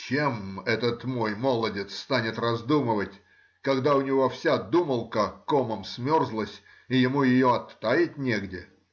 чем этот мой молодец станет раздумывать, когда у него вся думалка комом смерзлась и ему ее оттаять негде.